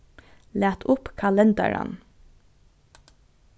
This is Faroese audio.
lat upp kalendaran